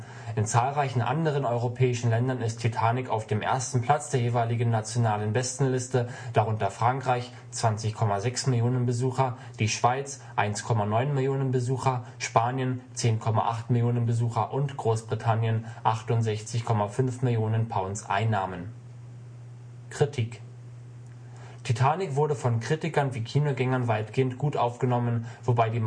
anderen europäischen Ländern ist Titanic auf dem ersten Platz der jeweiligen nationalen Bestenliste, darunter Frankreich (20,6 Millionen Besucher), die Schweiz (1,9 Millionen Besucher), Spanien (10,8 Millionen Besucher) und Großbritannien (68,5 Millionen £ Einnahmen). Titanic wurde von Kritikern wie Kinogängern weitgehend gut aufgenommen, wobei